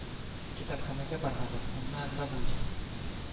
Китапханәгә бармадым, әмма анда булдым